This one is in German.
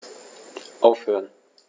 Aufhören.